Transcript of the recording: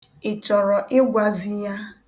Ị chọrọ ịgwazi ya?